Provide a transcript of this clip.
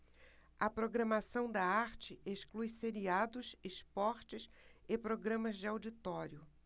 a programação da arte exclui seriados esportes e programas de auditório